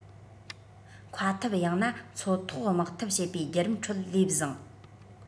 མཁའ འཐབ ཡང ན མཚོ ཐོག དམག འཐབ བྱེད པའི བརྒྱུད རིམ ཁྲོད ལས བཟང